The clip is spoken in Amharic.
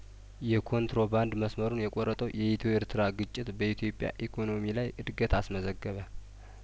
የኮንትሮባንድ መስመሩን የቆረጠው የኢትዮ ኤርትራ ግጭት በኢትዮጵያ ኢኮኖሚ ላይ እድገት አስመዘገበ